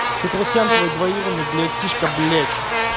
петросян твой двоюродный братишка блядь